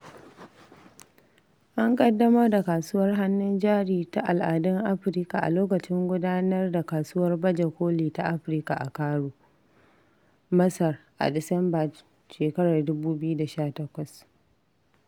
An ƙaddamar da Kasuwar Hannun Jari ta al'adun Afirka a lokacin gudanar da kasuwar baje koli ta Afirka a Cairo, Masar a Disambar shekarar 2018.